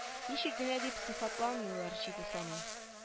Ничек кенә дип сыйфатламыйлар җиде санын